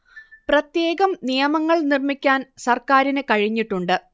പ്രത്യേകം നിയമങ്ങൾ നിർമ്മിക്കാൻ സർക്കാരിന് കഴിഞ്ഞിട്ടുണ്ട്